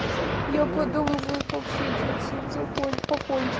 я подумываю как с этим всем покончить